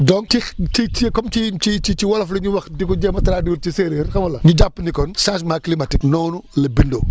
donc ci ci ci comme ci ci ci wolof la ñuy wax di ko jéem a traduire ci séeréerxam nga la ma wax ñu jàpp ni kon changement climatique noonu la bindoo